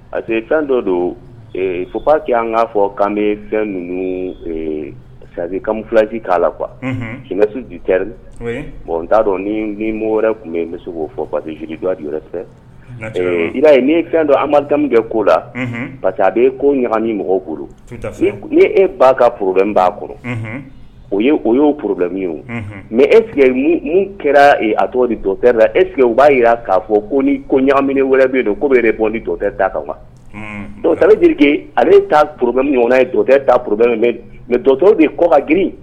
Parce que fɛn dɔ don fo pa que an k'a fɔ' bɛ fɛn ninnu sariya filaji k'a la qu si suteri bon n t'a dɔn ni ni mɔgɔ wɛrɛ tun bɛ yen misi'o fɔ pa que yɛrɛ fɛ jira ye ne fɛn donbami kɛ koo la pa que a bɛ ko ɲaga ni mɔgɔw bolo nee ba ka porobɛbɛn b'a kɔrɔ o ye o y yeo porolɛ min mɛ e minnu kɛra a tɔgɔ de dɔtɛ la eseke u b'a jira k'a fɔ ko ni ko ɲminɛ wɛrɛ bɛ don ko yɛrɛ bɔ ni dɔ da kan kan ta jelikɛke ale bɛ ta porobɛbɛn ɲɔgɔn ye dɔtɛoro mɛ dɔtɔro de kɔba giririn